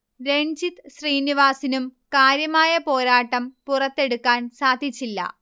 രൺജിത് ശ്രീനിവാസിനും കാര്യമായ പോരാട്ടം പുറത്തെടുക്കാൻ സാധച്ചില്ല